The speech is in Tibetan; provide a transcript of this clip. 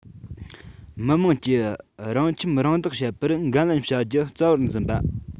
མི དམངས ཀྱིས རང ཁྱིམ རང བདག བྱེད པར འགན ལེན བྱ རྒྱུ རྩ བར འཛིན པ